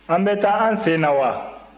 an bɛ taa an sen na wa